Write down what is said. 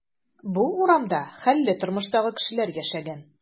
Бу урамда хәлле тормыштагы кешеләр яшәгән.